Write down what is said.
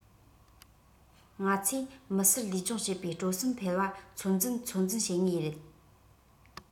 ང ཚོས མི སེར ལུས སྦྱོང བྱེད པའི སྤྲོ སེམས འཕེལ བ ཚོད འཛིན ཚོད འཛིན བྱེད ངེས རེད